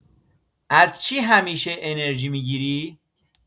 از چی همیشه انرژی می‌گیری؟